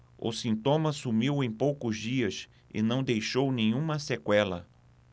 o sintoma sumiu em poucos dias e não deixou nenhuma sequela